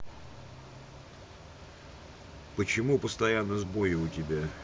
почему постоянно сбои у тебя